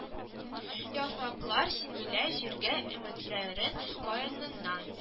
Яфраклар сибелә җиргә өметләрен каеныннан